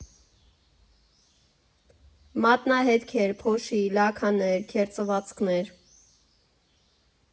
Մատնահետքեր, փոշի, լաքաներ, քերծվածքներ.